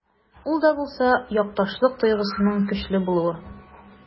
Ул да булса— якташлык тойгысының көчле булуы.